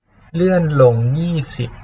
เลื่อนลงยี่สิบ